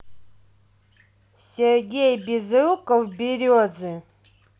сергей безруков березы